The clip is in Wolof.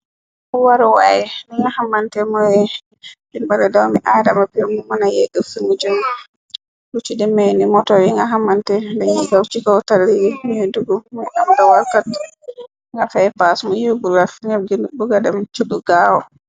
Waruwaaye li nga xamante mooy Dimbale doomi aadama pur mu mëna yeggë si mu jëm. Lu si demee ni "moto" yi nga xamante dañu daw, si kow talli bi, ñuy dugga muy am dawalkat, nga fay paas, mu yëbbu la fi nga buga dem ci lu gaaw.